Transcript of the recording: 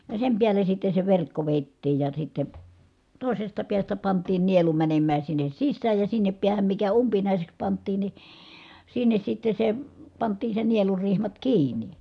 ja sen päälle sitten se verkko vedettiin ja sitten toisesta päästä pantiin nielu menemään sinne sisään ja sinne päähän mikä umpinaiseksi pantiin niin sinne sitten se pantiin se nielurihmat kiinni